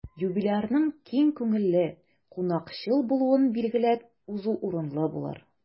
Юбилярның киң күңелле, кунакчыл булуын билгеләп узу урынлы булыр.